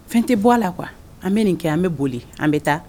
Fɛn tɛ bɔ a la qu an bɛ nin kɛ an bɛ boli an bɛ taa